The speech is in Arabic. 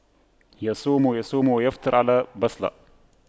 يصوم يصوم ويفطر على بصلة